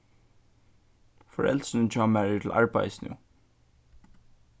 foreldrini hjá mær eru til arbeiðis nú